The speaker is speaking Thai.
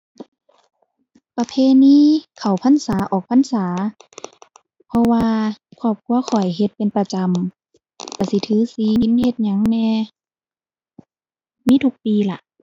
ประเพณีเข้าพรรษา ออกพรรษา เพราะว่าครอบครัวข้อยเฮ็ดเป็นประจำ ก็สิถือศีล กิน เฮ็ดหยังแหน่ มีทุกปีล่ะ